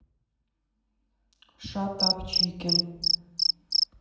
шат ап чикен